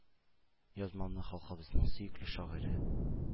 Язмамны халкыбызның сөекле шагыйре,